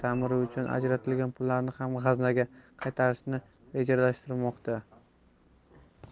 ta'miri uchun ajratilgan pullarni ham g'aznaga qaytarishni rejalashtirmoqda